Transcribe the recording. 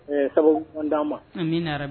Ɛɛ sabu an d dian ma min